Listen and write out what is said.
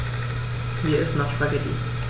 Mir ist nach Spaghetti.